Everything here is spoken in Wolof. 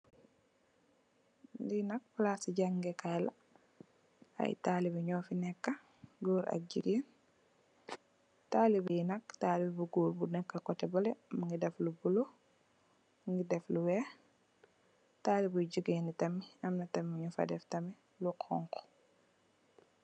Li nak palasi jangèè kai la ay talibeh ño fi nekka gór ak jigeen. Talibeh yi nak, talibeh bu gór bu nekee koteh baleh mugii def lu bula lu wèèx. Talibeh yu jigeen yi tamit ma na tamit ñu ci dèf lu xonxu.